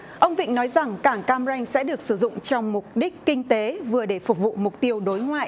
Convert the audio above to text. ông vịnh nói rằng cảng cam ranh sẽ được sử dụng cho mục đích kinh tế vừa để phục vụ mục tiêu đối ngoại